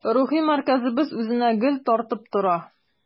Рухи мәркәзебез үзенә гел тартып тора.